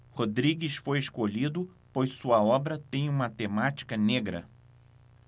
rodrigues foi escolhido pois sua obra tem uma temática negra